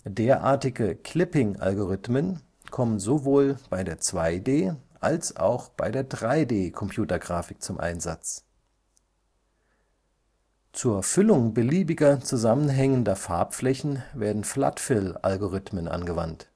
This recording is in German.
Derartige Clipping-Algorithmen kommen sowohl bei der 2D - als auch bei der 3D-Computergrafik zum Einsatz. Zur Füllung beliebiger zusammenhängender Farbflächen werden Floodfill-Algorithmen angewandt